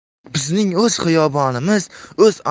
bizning o'z xiyobonimiz o'z